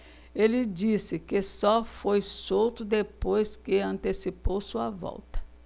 ele disse que só foi solto depois que antecipou sua volta